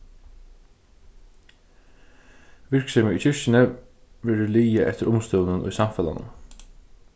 virksemið í kirkjuni verður lagað eftir umstøðunum í samfelagnum